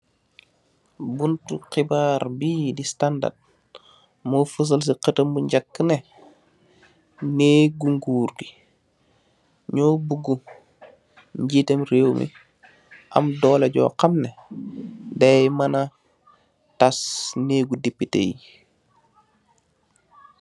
Buntu xibaar bi,"The Standard",moo fësal si xätäm bu ñjeka ne, neegu ngur gi, ñio bagut, nguur gi, ñjitam rew mi; am doole Joo xam ne, dai mana tas neegu despite yi.